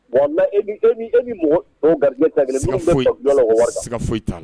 Bon mɛ e ni e ni e ni ta bila si ka foyi ta la